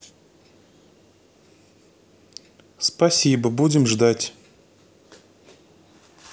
спасибо будем ждать